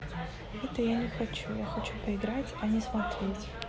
это я не хочу я хочу поиграть а не смотреть